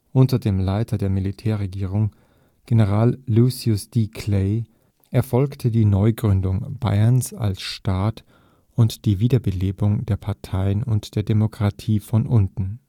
Unter dem Leiter der Militärregierung, General Lucius D. Clay, erfolgte die Neugründung Bayerns als Staat und die Wiederbelebung der Parteien und der Demokratie von unten